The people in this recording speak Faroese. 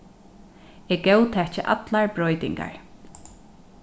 eg góðtaki allar broytingar